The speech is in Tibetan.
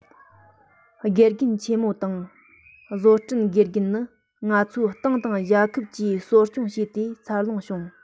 དགེ རྒན ཆེན མོ དང བཟོ སྐྲུན དགེ རྒན ནི ང ཚོའི ཏང དང རྒྱལ ཁབ ཀྱིས གསོ སྐྱོང བྱས ཏེ འཚར ལོངས བྱུང